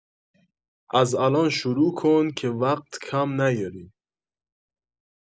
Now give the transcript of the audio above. از الان شروع کن که وقت کم نیاری